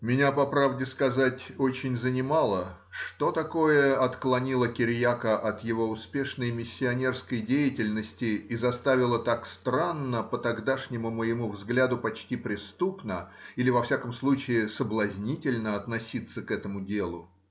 Меня, по правде сказать, очень занимало, что такое отклонило Кириака от его успешной миссионерской деятельности и заставило так странно, по тогдашнему моему взгляду — почти преступно или во всяком случае соблазнительно относиться к этому делу.